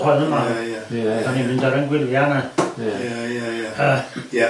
Ia ia... Oni'n mynd ar fy ngwylia yna... Ia ia ia